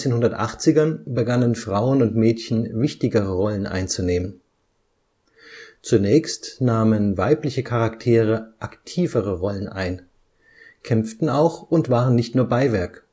1980ern begannen Frauen und Mädchen wichtigere Rollen einzunehmen. Zunächst nahmen weibliche Charaktere aktivere Rollen ein, kämpften auch und waren nicht nur Beiwerk